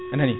anani